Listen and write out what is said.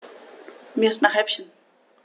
Mir ist nach Häppchen.